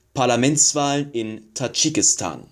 Parlamentswahlen in Tadschikistan